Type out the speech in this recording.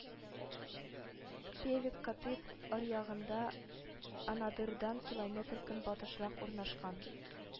Певек Котып аръягында, Анадырдан километр көнбатышрак урнашкан